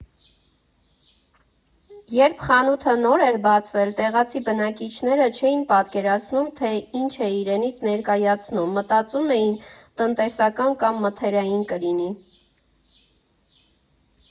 Երբ խանութը նոր էր բացվել, տեղացի բնակիչները չէին պատկերացնում, թե ինչ է իրենից ներկայացնում, մտածում էին՝ տնտեսական կամ մթերային կլինի։